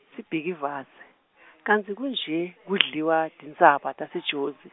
Sibhikivaze , kantsi kunje, kudliwa, tintsaba, taseJozi?